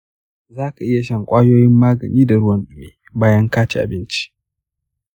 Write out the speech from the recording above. zaka iya shan kwayoyin maganin da ruwan dumi bayan kaci abinci.